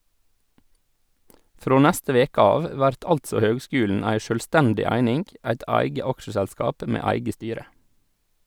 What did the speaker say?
Frå neste veke av vert altså høgskulen ei sjølvstendig eining, eit eige aksjeselskap med eige styre.